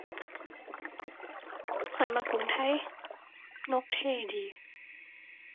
ข้อยมักกรุงไทย นกเท่ดี